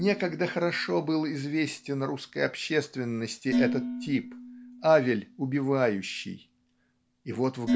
Некогда хорошо был известен русской общественности этот тип Авель убивающий. И вот